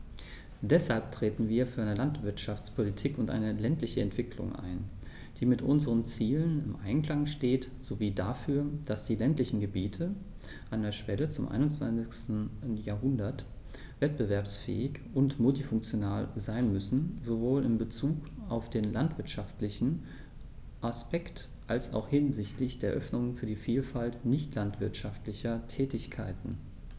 Deshalb treten wir für eine Landwirtschaftspolitik und eine ländliche Entwicklung ein, die mit unseren Zielen im Einklang steht, sowie dafür, dass die ländlichen Gebiete an der Schwelle zum 21. Jahrhundert wettbewerbsfähig und multifunktional sein müssen, sowohl in Bezug auf den landwirtschaftlichen Aspekt als auch hinsichtlich der Öffnung für die Vielfalt nicht landwirtschaftlicher Tätigkeiten.